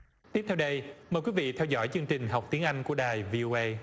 tiếp theo đây mời quý vị theo dõi chương trình học tiếng anh của đài vi âu ây